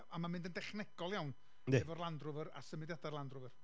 a mae'n mynd yn dechnegol iawn... yndi... efo'r Land Rover a symudiadau'r Land Rover.